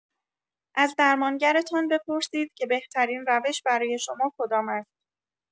از درمانگرتان بپرسید که بهترین روش برای شما کدام است.